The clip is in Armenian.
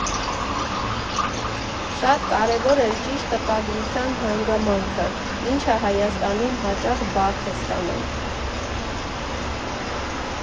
Շատ կարևոր էր ճիշտ տպագրության հանգամանքը, ինչը Հայաստանում հաճախ բարդ է ստանալ։